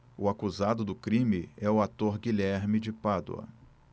o acusado do crime é o ator guilherme de pádua